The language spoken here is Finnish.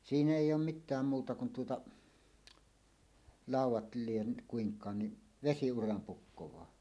siinä ei olen mitään muuta kuin tuota laudat lie kuinkaan niin vesiuran pukkaa